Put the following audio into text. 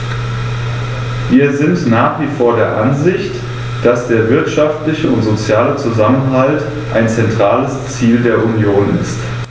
Wir sind nach wie vor der Ansicht, dass der wirtschaftliche und soziale Zusammenhalt ein zentrales Ziel der Union ist.